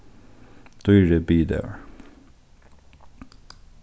dýri biðidagur